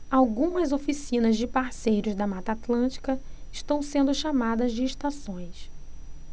algumas oficinas de parceiros da mata atlântica estão sendo chamadas de estações